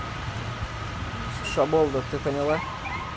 шаболда ты поняла